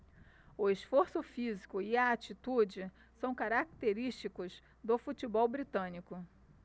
o esforço físico e a atitude são característicos do futebol britânico